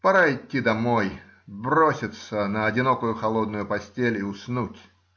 Пора идти домой, броситься на одинокую холодную постель и уснуть.